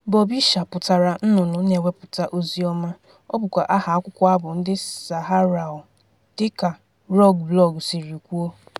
Bubisher pụtara nnụnụ na-ewepụta ozi ọma. Ọ bụkwa aha akwụkwọ abụ ndị Saharaui dịka Roge blọọgụ siri kwuo.